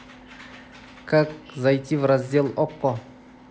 как зайти в раздел окко